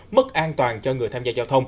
mất an toàn cho người tham gia giao thông